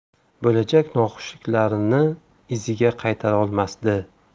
bo'lajak noxushliklarni iziga qaytarolmasdi